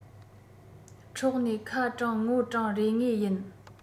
འཕྲོག ནས ཁ སྐྲང ངོ སྐྲང རེད ངེས ཡིན